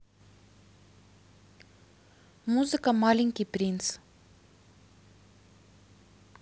музыка маленький принц